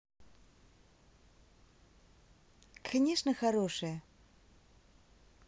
конечно хорошее